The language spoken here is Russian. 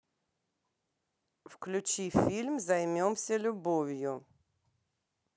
включи фильм займемся любовью